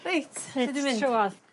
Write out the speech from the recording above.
Reit fynd trwodd.